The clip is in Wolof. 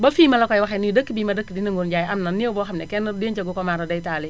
ba fii ma la koy waxee nii dëkk bii ma dëkk di Nangur Ndiaye am na néew boo xam ne kenn dencagu ko maara deytaali